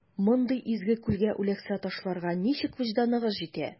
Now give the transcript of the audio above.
Мондый изге күлгә үләксә ташларга ничек вөҗданыгыз җитә?